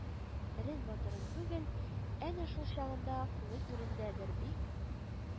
Рен-батырын түгел, әнә шул чагында күңел түрендә бер бик